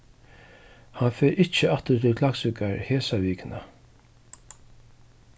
hann fer ikki aftur til klaksvíkar hesa vikuna